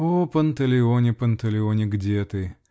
(О, Панталеоне, Панталеоне, где ты?